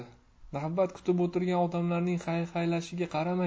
navbat kutib o'tirgan odamlarning hayhaylashiga qaramay